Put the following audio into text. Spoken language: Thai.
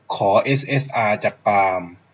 ขอเอสเอสอาจากปาล์ม